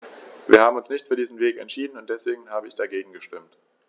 Wir haben uns nicht für diesen Weg entschieden, und deswegen habe ich dagegen gestimmt.